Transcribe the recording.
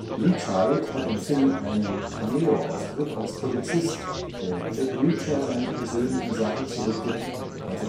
Lee Child hat im Film einen Cameo-Auftritt als Polizist, der Jack Reacher seine persönlichen Sachen zurückgibt, als